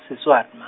Siswati ma.